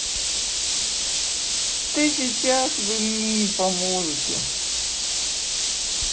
ты сейчас вы мне не поможете